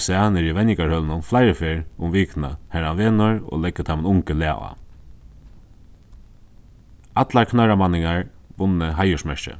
sæð niðri í venjingarhølunum fleiri ferð um vikuna har hann venur og leggur teimum ungu lag á allar knørramanningar vunnu heiðursmerki